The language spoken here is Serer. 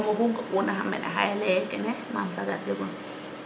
comme :frav oxu ga una mene xay xana leye kene maam sagar jegun